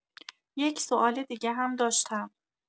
یک سوال دیگه هم داشتم